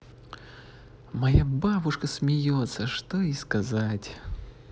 моя бабушка смеется что и сказать